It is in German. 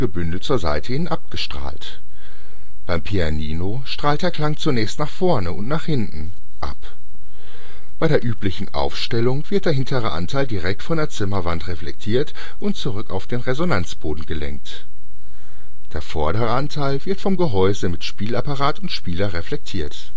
zur Seite hin abgestrahlt. Beim Pianino strahlt der Klang zunächst nach vorne und nach hinten ab. Bei der üblichen Aufstellung wird der hintere Anteil direkt von der Zimmerwand reflektiert und zurück auf den Resonanzboden gelenkt. Der vordere Anteil wird vom Gehäuse mit Spielapparat und Spieler reflektiert